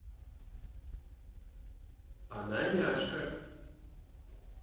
она няшка